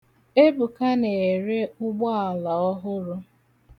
Ebuka na-ere ụgbọala ọhụrụ.